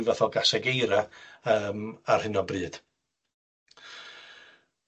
ryw fath o gaseg eira yym ar hyn o bryd.